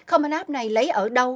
com mừn áp này lấy ở đâu